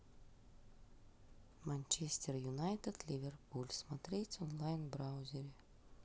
манчестер юнайтед ливерпуль смотреть онлайн в браузере